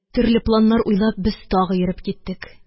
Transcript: Төрле планнар уйлап, без тагы йөреп киттек